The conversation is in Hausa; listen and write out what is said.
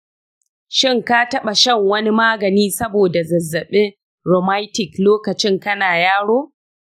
shin ka taɓa shan wani magani saboda zazzaɓin rheumatic lokacin kana yaro?